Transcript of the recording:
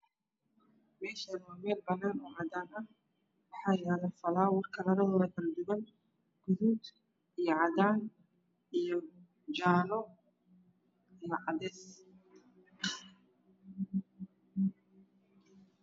Meeshaan waa meel banaan oo cadaan ah waxaa yaalo falawar kalaradooda kaladuwan guduud iyo cadan jaalo iyo cadees